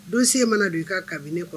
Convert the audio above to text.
Don se mana don i ka kabini kɔnɔ